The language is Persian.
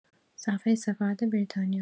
صفحه سفارت بریتانیا